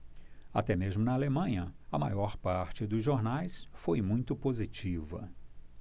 até mesmo na alemanha a maior parte dos jornais foi muito positiva